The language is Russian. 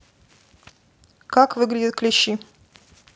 как выглядят клещи